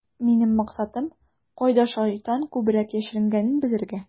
Минем максатым - кайда шайтан күбрәк яшеренгәнен белергә.